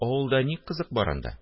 Авылда ни кызык бар анда